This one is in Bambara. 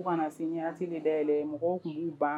U kana na de dayɛlɛn mɔgɔw tun b'u ban